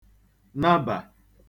nabà